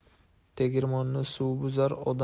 tegirmonni suv buzar